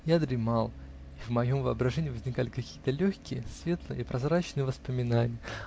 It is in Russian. Я дремал, и в моем воображении возникали какие-то легкие, светлые и прозрачные воспоминания.